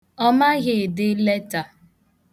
Ọ maghị ede leta.